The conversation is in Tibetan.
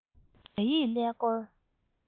རྒྱ ཡིག ཀླད ཀོར